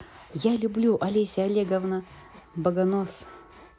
я люблю олеся олеговна богонос